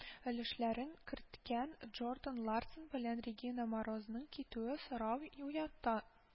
Өлешләрен керткән джордан ларсон белән регина морозның китүе сорау уята